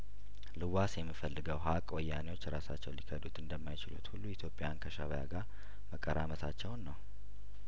ልዋስ የምፈልገው ሀቅ ወያኔዎች ራሳቸው ሊክዱት እንደማ ይችሉት ሁሉ ኢትዮጵያን ከሻእቢያ ጋር መቀራመታቸውን ነው